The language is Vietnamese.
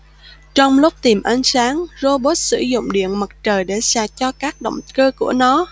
trong lúc tìm ánh sáng rô bốt sử dụng điện mặt trời để sạc cho các động cơ của nó